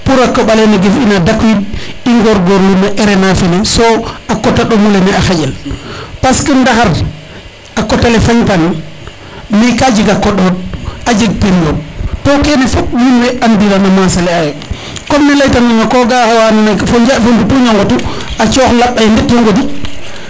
pour a koɓalene gef ina dak wiid i ngongorlu no RNA fene so a kota ɗomu lene a xaƴel parce que ndaxar a kotale fañ tan mais ka jeg a koɗood a jeg periode to kene fop wiin we an diran a masale a yo comme ne leyta nona ko ga a wa ando naye fo njaƴ fo ndutuñ a ngotu a cox laɓ e ndet yo ngodik